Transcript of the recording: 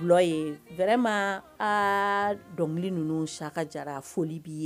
Lɔ yen wɛrɛrɛ ma aa dɔnkili ninnu saka jara foli b'i ye